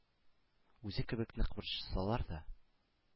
Үзе кебек нык борчылсалар да,